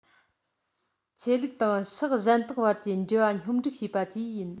ཆོས ལུགས དང ཕྱོགས གཞན དག བར གྱི འབྲེལ བ སྙོམས འགྲིག བྱེད པ བཅས ཡིན